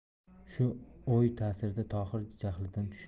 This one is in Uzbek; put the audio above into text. shu o'y tasirida tohir jahlidan tushdi